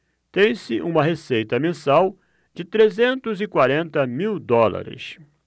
tem-se uma receita mensal de trezentos e quarenta mil dólares